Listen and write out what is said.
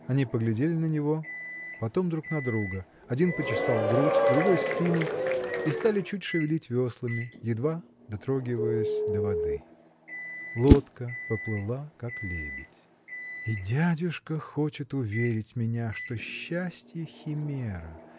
Они поглядели на него, потом друг на друга. Один почесал грудь другой спину и стали чуть шевелить веслами едва дотрогиваясь до воды. Лодка поплыла, как лебедь. И дядюшка хочет уверить меня что счастье химера